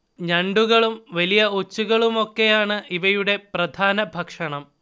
ഞണ്ടുകളും വലിയ ഒച്ചുകളുമൊക്കെയാണ് ഇവയുടെ പ്രധാന ഭക്ഷണം